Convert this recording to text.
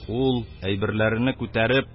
Ул, әйберләрене күтәреп